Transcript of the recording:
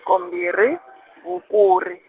ko mbirhi, Hukuri.